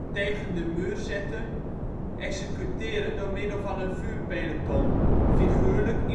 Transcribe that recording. Tegen de muur zetten - executeren door middel van een vuurpeleton. Figuurlijk